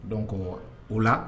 Dɔn kɔ o la